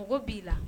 Mɔgɔ b'i la